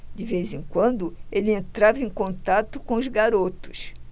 de vez em quando ele entrava em contato com os garotos